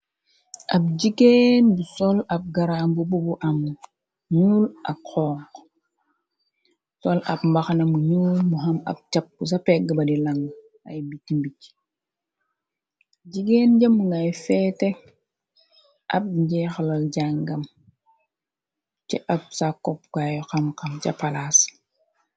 ab jigeen bu sol ab garaambu bu bu am muul ak xoong sol ab mbaxnamu nu mu xam ab chapp sa pegg ba di lang ay bij mbicj jigéen jëm ngay feete ab njeexlal jàngam ci ab sa kopkaayu xam-xam ca palaas